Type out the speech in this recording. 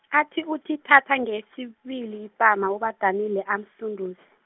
athi uthi thatha ngeyesibili, ipama uBadanile amsunduze.